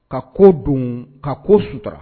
Ka ko don, ka ko sutura.